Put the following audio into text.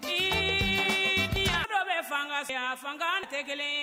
Nse ni yaa dɔ bɛ fan a fan tɛ kelen